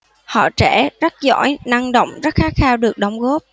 họ trẻ rất giỏi năng động rất khát khao được đóng góp